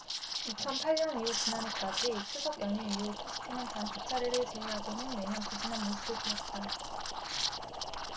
이천 팔 년 이후 지난해까지 추석 연휴 이후 코스피는 단 두 차례를 제외하고는 매년 부진한 모습을 보였다